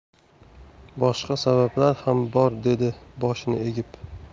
boshqa sabablar ham bor dedi boshini egib